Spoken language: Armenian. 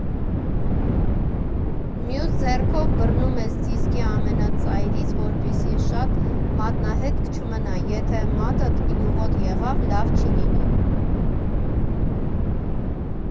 Մյուս ձեռքով բռնում ես դիսկի ամենածայրից, որպեսզի շատ մատնահետք չմնա, եթե մատդ յուղոտ եղավ՝ լավ չի լինի։